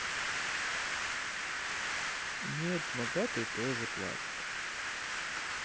нет богатые тоже плачут